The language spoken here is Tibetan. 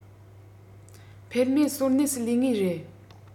འཕེལ མེད སོར གནས སུ ལུས ངེས རེད